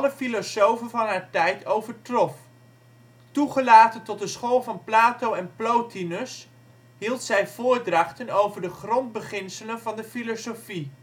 filosofen van haar tijd overtrof. Toegelaten tot de School van Plato en Plotinus hield zij voordrachten over de grondbeginselen van de filosofie